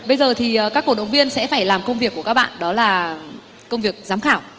bây giờ thì các cổ động viên sẽ phải làm công việc của các bạn đó là công việc giám khảo